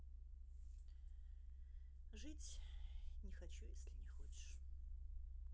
жить не хочу если не хочешь